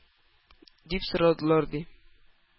Дип сорадылар, ди.